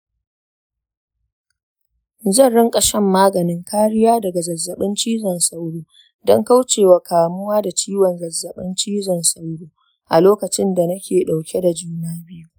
zan rinka shan maganin kariya daga zazzaɓin cizon sauro don kauce wa kamuwa da ciwon zazzaɓin cizon sauro a lokacin da nake dauke da juna biyu.